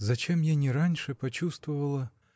— Зачем я не раньше почувствовала.